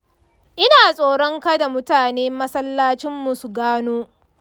ina tsoron kada mutanen masallacin mu su gano.